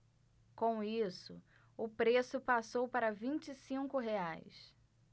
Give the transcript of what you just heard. com isso o preço passou para vinte e cinco reais